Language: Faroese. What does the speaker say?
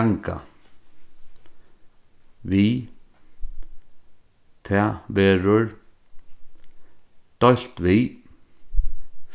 ganga við tað verður deilt við